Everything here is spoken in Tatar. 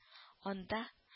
Анда